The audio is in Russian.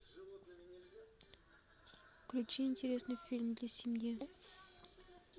включи интересный фильм для семьи